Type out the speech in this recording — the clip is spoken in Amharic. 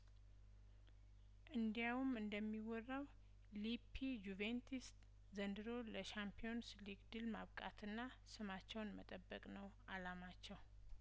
እንዲያውም እንደሚወራው ሊፒ ጁቬንትስ ዘንድሮ ለቻምፒየንስ ሊግ ድል ማብቃትና ስማቸውን መጠበቅ ነው አላማቸው